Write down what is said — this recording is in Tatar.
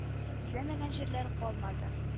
Эзләмәгән җирләре калмады